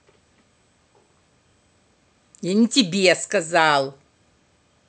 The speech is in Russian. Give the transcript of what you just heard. я не тебе сказал